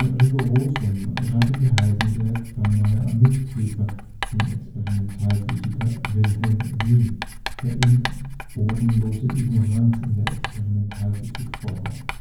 Rigorosum scheiterte Heisenberg beinahe am Mitprüfer, dem Experimentalphysiker Wilhelm Wien, der ihm bodenlose Ignoranz in der Experimentalphysik vorwarf